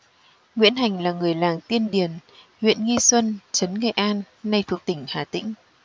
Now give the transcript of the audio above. nguyễn hành là người làng tiên điền huyện nghi xuân trấn nghệ an nay thuộc tỉnh hà tĩnh